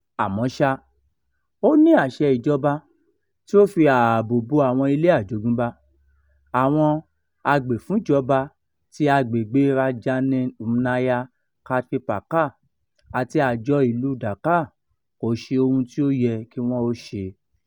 Àmọ́ ṣá, ó ní àṣẹ ìjọba tí ó fi ààbò bo àwọn ilé àjogúnbá, àwọn agbèfúnjọba ti agbègbèe Rajdhani Unnayan Kartripakkha àti Àjọ Ìlúu Dhaka kò ṣe ohun tí ó yẹ kí wọn ó ṣe.